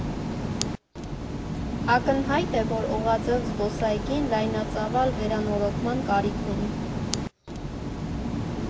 Ակնհայտ է, որ Օղակաձև զբոսայգին լայնածավալ վերանորոգման կարիք ունի։